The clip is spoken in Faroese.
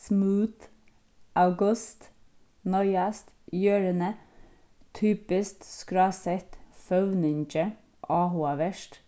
smooth august noyðast jørðini typiskt skrásett føvningi áhugavert